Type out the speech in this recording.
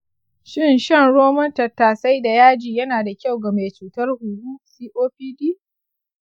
shin shan romon tatasai da yaji yana da kyau ga mai cutar huhu copd?